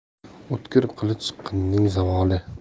o'tkir qilich qinning zavoli